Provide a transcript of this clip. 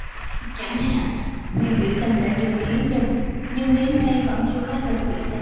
chẳng hạn quyền biểu tình đã được hiến định nhưng đến nay vẫn chưa có luật biểu tình